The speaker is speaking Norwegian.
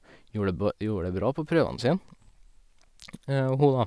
gjorde det ba Gjorde det bra på prøvene sine, hun, da.